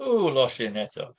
O, losin, eto!